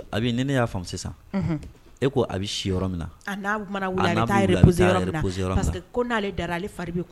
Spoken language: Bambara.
E